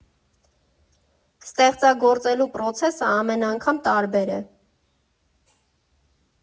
Ստեղծագործելու պրոցեսը ամեն անգամ տարբեր է։